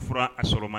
Fura fɔra a sɔrɔ ma